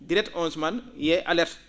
direct on suman wiyee alerte